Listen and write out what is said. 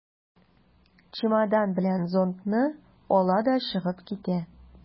Чемодан белән зонтны ала да чыгып китә.